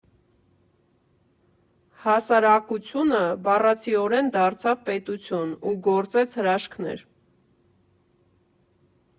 Հասարակությունը բառացիորեն դարձավ պետություն ու գործեց հրաշքներ։